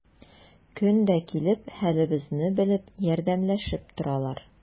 Көн дә килеп, хәлебезне белеп, ярдәмләшеп торалар.